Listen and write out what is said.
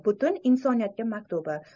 butun insoniyatga maktubi